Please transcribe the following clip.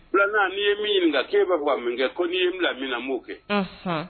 2 nan n'i ye min ɲininka k'e bɛ fɛ ka mun kɛ? Ko n'i ye n bila minna n b'o kɛ.